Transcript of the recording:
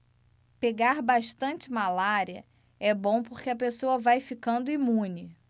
pegar bastante malária é bom porque a pessoa vai ficando imune